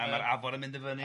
a ma'r afon yn mynd i fyny...